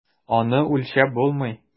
Аны үлчәп булмый.